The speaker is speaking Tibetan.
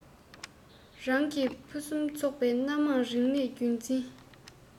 རང གི ཕུན སུམ ཚོགས པའི སྣ མང རིག གནས རྒྱུན འཛིན